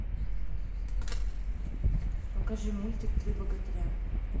покажи мультик три богатыря